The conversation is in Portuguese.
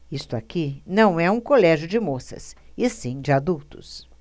isto aqui não é um colégio de moças e sim de adultos